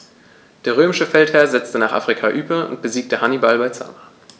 Der römische Feldherr setzte nach Afrika über und besiegte Hannibal bei Zama.